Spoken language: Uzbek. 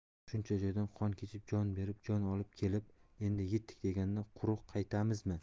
shuncha joydan qon kechib jon berib jon olib kelib endi yetdik deganda quruq qaytamizmi